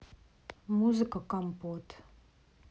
музыка компот